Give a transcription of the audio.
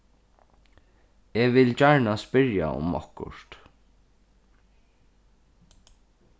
eg vil gjarna spyrja um okkurt